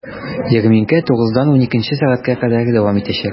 Ярминкә 9 дан 12 сәгатькә кадәр дәвам итәчәк.